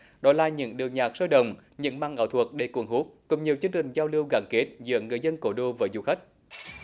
đó là những điệu nhạc sôi động những màn ảo thuật để cuốn hút cùng nhiều chương trình giao lưu gắn kết giữa người dân cố đô và du khách